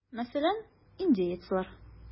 Мәсәлән, индеецлар.